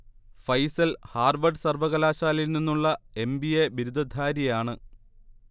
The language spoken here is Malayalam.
ഫൈസൽ ഹാർവഡ് സർവകലാശാലയിൽ നിന്നുള്ള എം. ബി. എ. ബിരുദധാരിയാണ്